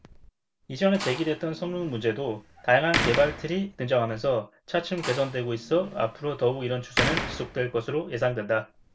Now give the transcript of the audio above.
이전에 제기됐던 성능문제도 다양한 개발툴이 등장하면서 차츰 개선되고 있어 앞으로 더욱 이런 추세는 지속될 것으로 예상된다